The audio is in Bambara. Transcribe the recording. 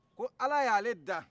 ko ala y'ale dan